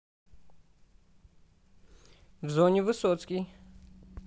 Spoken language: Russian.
в зоне высоцкий